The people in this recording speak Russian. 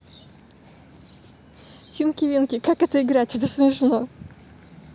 тинки винки как это играть это смешно